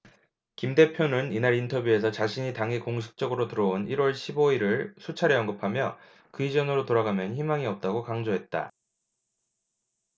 김 대표는 이날 인터뷰에서 자신이 당에 공식적으로 들어온 일 월 십 오 일을 수차례 언급하며 그 이전으로 돌아가면 희망이 없다고 강조했다